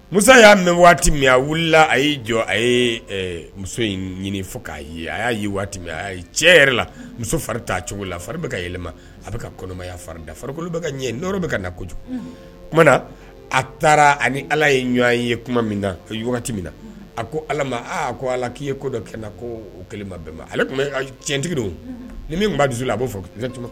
Mu y'a mɛn min a jɔ a ye muso ɲini k' a ya cɛ la muso fari t' cogo la fari bɛ ka yɛlɛma a bɛ ka kolonya fari da fari bɛ ka ɲɛ n bɛ ka na kojugu na a taara ani ala ye ɲɔgɔn ye kuma min na wagati min na a ko ala ma ko ala k'i ye ko dɔ kɛ na ko kelenba ale tun cɛntigi don ni min dusu la a' fɔ